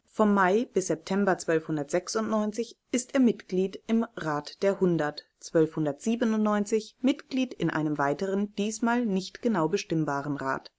von Mai bis September 1296 ist er Mitglied im Rat der Hundert, 1297 Mitglied in einem weiteren, diesmal nicht genau bestimmbaren Rat